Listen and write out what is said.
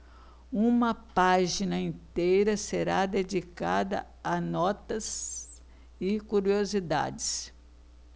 uma página inteira será dedicada a notas e curiosidades